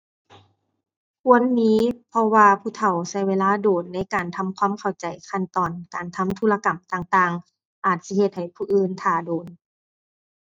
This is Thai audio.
ควรมี เพราะว่าผู้เฒ่าใช้เวลาโดนในการทำความเข้าใจขั้นตอนการทำธุรกรรมต่างต่าง อาจสิเฮ็ดให้ผู้อื่นท่าโดน